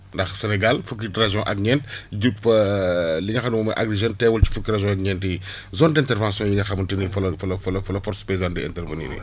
ndax Sénégal fukki régions ak ñeent jub li nga xam ne moom mooy agri Jeunes teewul ci fukki régions ak ñeent yi zone d' intervention yi nga xamante ni fa la fa la fa la fa la force paysane di intervenir